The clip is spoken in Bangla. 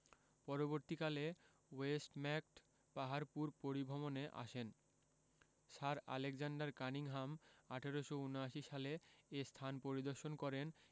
পরবর্তীকালে ওয়েস্টম্যাকট পাহাড়পুর পরিভ্রমণে আসেন স্যার আলেকজান্ডার কানিংহাম ১৮৭৯ সালে এ স্থান পরিদর্শন করেন